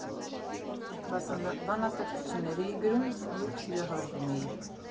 Բանաստեղծություններ էի գրում, երբ սիրահարվում էի։